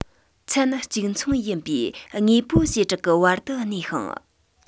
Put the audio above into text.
མཚན གཅིག མཚུངས ཡིན པའི དངོས པོའི བྱེ བྲག གི བར དུ གནས ཤིང